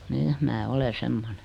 niin minä olen semmoinen